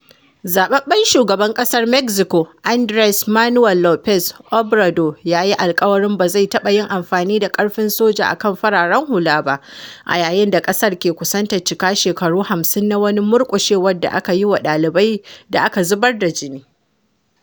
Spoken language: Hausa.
Zaɓaɓɓen Shugaban Ƙasar Mexico Andres Manuel Lopez Obrador ya yi alkawarin ba zai taɓa yin amfani da ƙarfin soja a kan fararen hula ba a yayin da ƙasar ke kusantar cika shekaru 50 na wani murƙushewar da aka yi wa ɗalibai da aka zubar da jini.